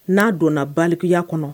N'a donna baliya kɔnɔ